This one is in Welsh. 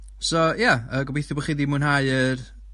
So ia yy gobeithio bo' chi 'di mwynhau yr